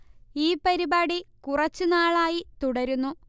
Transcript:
ഈ പരിപാടി കുറച്ചു നാളായി തുടരുന്നു